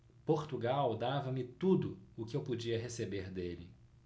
portugal dava-me tudo o que eu podia receber dele